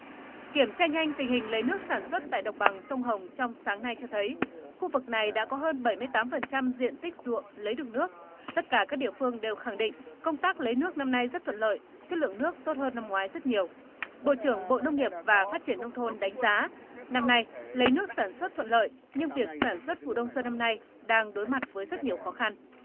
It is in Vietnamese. kiểm tra nhanh tình hình lấy nước sản xuất tại đồng bằng sông hồng trong sáng nay cho thấy khu vực này đã có hơn bảy mươi tám phần trăm diện tích ruộng lấy được nước tất cả các địa phương đều khẳng định công tác lấy nước năm nay rất thuận lợi chất lượng nước tốt hơn năm ngoái rất nhiều bộ trưởng bộ nông nghiệp và phát triển nông thôn đánh giá năm nay lấy nước sản xuất thuận lợi nhưng việc sản xuất vụ đông xuân năm nay đang đối mặt với rất nhiều khó khăn